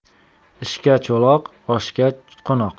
ishga cho'loq oshga qo'noq